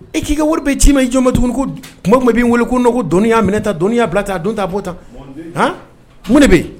E k'i ka wari bɛ ci ma i jɔn ma tugunkuma tun b' wele ko n'o ko dɔnnii y'a minɛ tan dɔni y' bila tan a don t' a b bɔo tan hɔn mun de bɛ